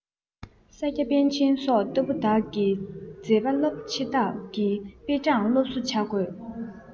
ས སྐྱ པཎ ཆེན སོགས ལྟ བུ དག གི མཛད པ རླབས པོ ཆེ དག གི དཔེ དྲངས ཏེ སློབ གསོ བྱ དགོས